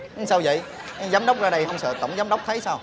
sao vậy giám đốc ra đây không sợ tổng giám đốc thấy sao